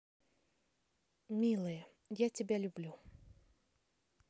милая я тебя люблю